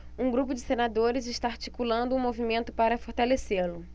um grupo de senadores está articulando um movimento para fortalecê-lo